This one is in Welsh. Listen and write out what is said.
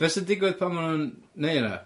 Be' sy'n digwydd pan ma' nw'n neu' hynna?